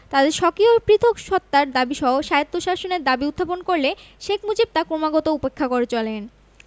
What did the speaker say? তাদের স্বকীয় পৃথক সত্তার দাবীসহ স্বায়ত্বশাসনের দাবী উত্থাপন করলে শেখ মুজিব তা ক্রমাগত উপেক্ষা করে চলেন